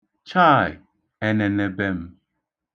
Chaị! Enenebe m!